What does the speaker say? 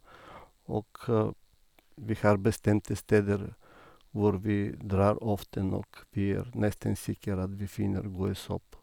Og vi har bestemte steder hvor vi drar ofte, og vi er nesten sikker at vi finner gode sopp.